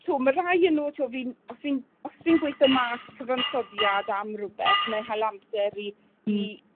'to ma' rhai o nw t'wo' fi'n os fi'n os fi'n gweitho mas cyfansoddiad am rwbeth nâi hala amser i i